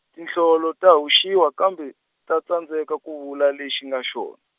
tinhlolo ta hoxiwa, kambe, ta tsandzeka ku vula lexi nga xona.